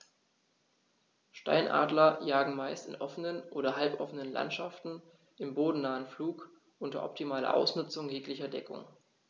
Steinadler jagen meist in offenen oder halboffenen Landschaften im bodennahen Flug unter optimaler Ausnutzung jeglicher Deckung.